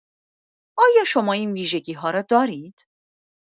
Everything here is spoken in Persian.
آیا شما این ویژگی‌ها را دارید؟